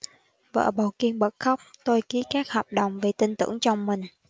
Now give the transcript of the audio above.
vợ bầu kiên bật khóc tôi kí các hợp đồng vì tin tưởng chồng mình